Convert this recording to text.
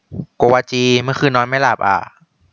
โกวาจีเมื่อคืนนอนไม่หลับอะ